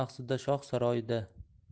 axsida shoh saroyida